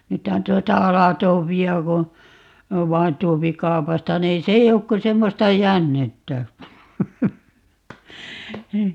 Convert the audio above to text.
nythän tuota aladobia kun vain tuo kaupasta niin se ei ole kuin semmoista jännettä